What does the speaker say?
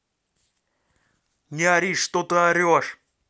не ори что ты орешь